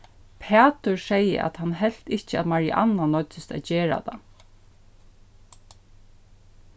pætur segði at hann helt ikki at marianna noyddist at gera tað